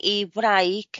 i wraig